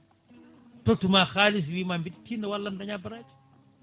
tottuma haliss wiima mbiɗi tinno wallam daña baraji